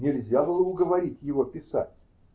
Нельзя было уговорить его писать.